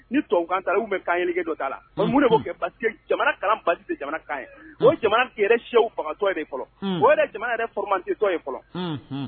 Ni tɔn kanta u bɛ kange'a la de b'o basi jamanakan ye o sew fatɔ omantitɔ